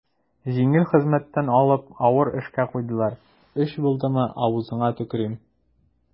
Җиңел хезмәттән алып авыр эшкә куйдылар, өч булдымы, авызыңа төкерим.